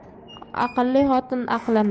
ko'z qilar aqlli xotin aqlini